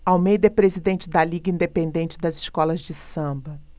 almeida é presidente da liga independente das escolas de samba